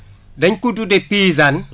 dañu ko tuddee paysane